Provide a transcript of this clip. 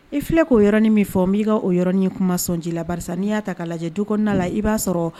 I filɛ k'o yɔrɔnin min fɔ, n b'i ka o yɔrɔnin kuma sɔnji la. Barisa n'i y'a ta ka lajɛ du kɔnɔ la i b'a sɔrɔ